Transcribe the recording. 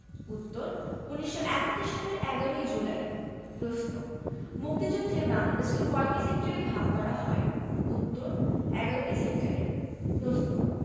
উত্তর ১৯৭১ সালের ১১ জুলাই প্রশ্ন মুক্তিযুদ্ধে বাংলাদেশকে কয়টি সেক্টরে ভাগ করা হয় উত্তর ১১টি সেক্টরে প্রশ্ন